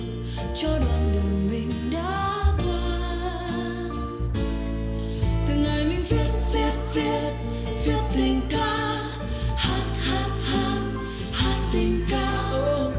cho đoạn đường mình đã qua từng ngày mình viết viết viết viết tình ca hát hát hát hát tình ca